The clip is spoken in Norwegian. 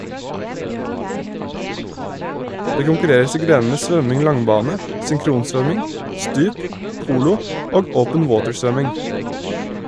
Det konkurreres i grenene svømming langbane, synkronsvømming, stup, polo og open water-svømming.